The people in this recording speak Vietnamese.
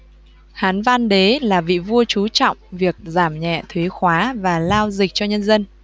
hán văn đế là vị vua chú trọng việc giảm nhẹ thuế khóa và lao dịch cho nhân dân